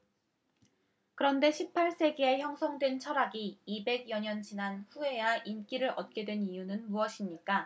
그런데 십 팔 세기에 형성된 철학이 이백 여 년이 지난 후에야 인기를 얻게 된 이유는 무엇입니까